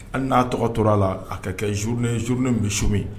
An n'a tɔgɔ tora la a ka kɛ zuruur zuruni misisu min